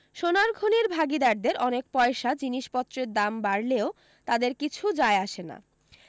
সোনার খনির ভাগীদারদের অনেক পয়সা জিনিসপত্রের দাম বাড়লেও তাদের কিছু যায় আসে না